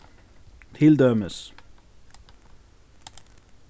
til dømis